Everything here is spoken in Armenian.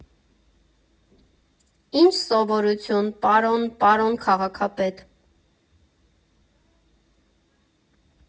֊ Ի՞նչ սովորություն, պարոն, պարոն քաղաքապետ…